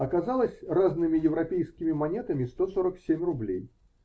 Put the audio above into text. Оказалось разными европейскими монетами сто сорок семь рублей.